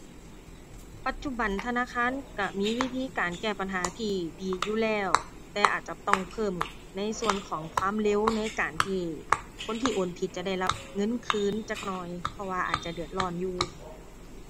ปัจจุบันธนาคารก็มีวิธีการแก้ปัญหาที่ดีอยู่แล้ว แต่อาจจะต้องเพิ่มในส่วนของความเร็วในการที่คนที่โอนผิดจะได้รับเงินคืนจักหน่อย เพราะว่าอาจจะเดือดร้อนอยู่